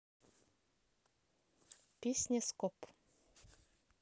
песня skop